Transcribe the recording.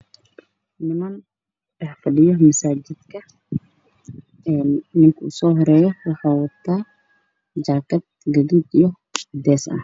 Waa masaajid waxaa fadhiya wiilal waxa ay wataan shaatiyo iyo jaakado qamiisyo